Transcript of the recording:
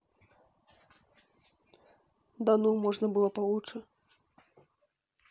да ну можно было лучше